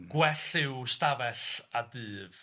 'Gwell yw ystafell a dyf.'